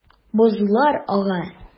Бозлар ага.